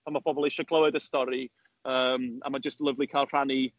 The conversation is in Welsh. A ma' pobl isie clywed y stori, yym, a ma' jyst lyfli cael rhannu.